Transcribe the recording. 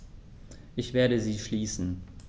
Ich werde sie schließen.